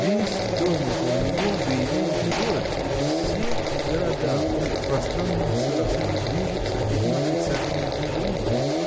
Весь дом около него, да и весь город, и все города в пространном царстве движутся этим отрицательным движением.